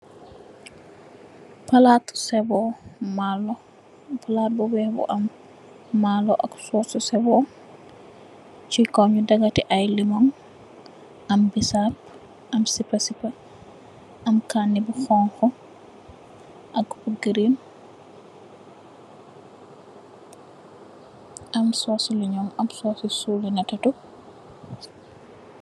Palati sebon maloo palat bu weex bu am maloo ak soosi sebon si kaw dagate ay lemon am bisap am sipasipa am kani bu xonxu ak bu green am soosi lenon am soosi suuli netexto.